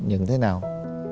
nhận thế nào